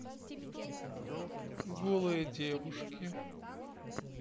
голые девушки